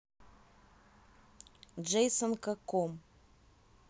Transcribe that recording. джейсон каком